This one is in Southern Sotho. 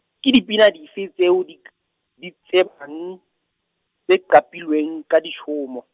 ke dipina dife tseo o di q-, di tsebang, tse qapilweng, ka ditshomo?